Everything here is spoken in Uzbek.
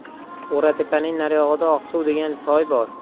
o'ratepaning naryog'ida oqsuv degan soy bor